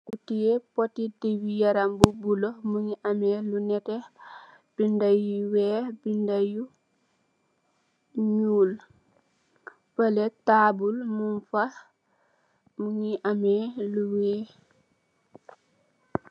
Ku tiyeh poti diw yaram bu bleu mungy ameh lu nehteh, binda yu wekh binda yu njull, fehleh taabul mung fa mungy ameh lu wekh.